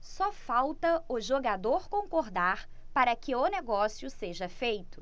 só falta o jogador concordar para que o negócio seja feito